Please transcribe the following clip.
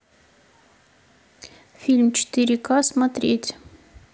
фильмы четыре к смотреть